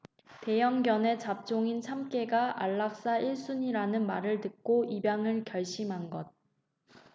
대형견에 잡종인 참깨가 안락사 일 순위라는 말을 듣고 입양을 결심한 것